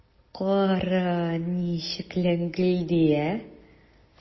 Кара, ничек ләңгелди!